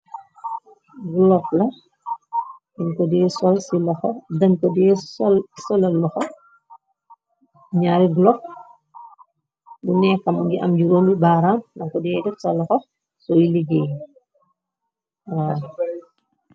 Glopla den ko dee sola loxo ñaari glog bu neekam ngi am juróomi baaraam nda ko de dek soloxo sooy liggéeyi.